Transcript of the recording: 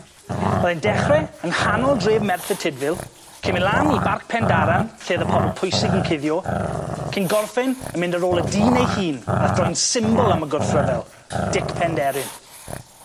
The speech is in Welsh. Ro'dd e'n dechre yng nghanol dref Merthyr Tydfil cyn myn' lan i Barc Pendaran lle o'dd y pobol pwysig yn cuddio cyn gorffen yn mynd ar ôl y dyn ei hun nath droi'n symbol am y gwrthryfel, Dic Penderin.